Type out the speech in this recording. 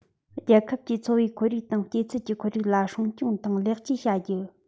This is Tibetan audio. རྒྱལ ཁབ ཀྱིས འཚོ བའི ཁོར ཡུག དང སྐྱེ ཚུལ གྱི ཁོར ཡུག ལ སྲུང སྐྱོང དང ལེགས བཅོས བྱ རྒྱུ